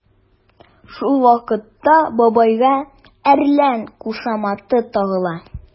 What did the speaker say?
Шул вакытта бабайга “әрлән” кушаматы тагыла.